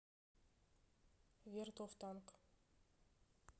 верд оф танк